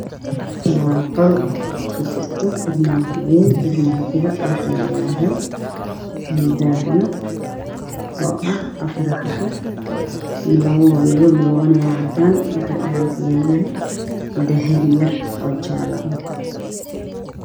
Waa qol waxaa yaallo armaajo waxa ay leedahay laba qaanad qayb guduud ah iyo qeyb cadaan ah dhulka waxaa yaalo joodari